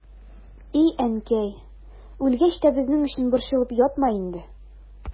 И әнкәй, үлгәч тә безнең өчен борчылып ятма инде.